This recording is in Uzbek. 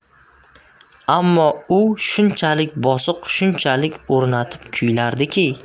ammo u shunchalik bosiq shunchalik o'rtanib kuylardiki